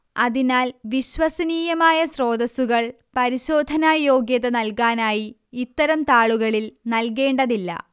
അതിനാൽ വിശ്വസനീയമായ സ്രോതസ്സുകൾ പരിശോധനായോഗ്യത നൽകാനായി ഇത്തരം താളുകളിൽ നൽകേണ്ടതില്ല